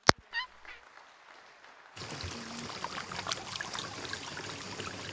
меня зовут настя